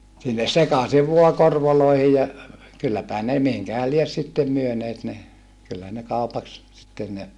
sinne sekaisin vain korvoihin ja kylläpähän ne mihinkähän lie sitten myyneet ne kyllä ne kaupaksi sitten ne